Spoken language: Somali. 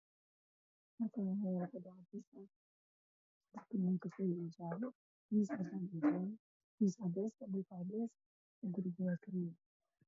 Halkaan waxaa yaalo baakad cadeys, kafay iyo jaale, miiska cadeys, dhulka cadeys, gurigu waa garee.